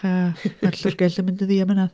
A mae'r llyfrgell yn mynd yn ddiamynedd.